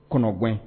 Kɔnɔ guwɛn